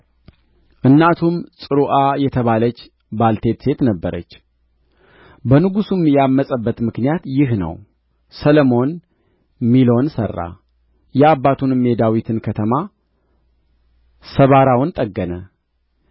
እናቱም ጽሩዓ የተባለች ባልቴት ሴት ነበረች በንጉሡም ያመፀበት ምክንያት ይህ ነው ሰሎሞን ሚሎን ሠራ የአባቱንም የዳዊትን ከተማ ሰባራውን ጠገነ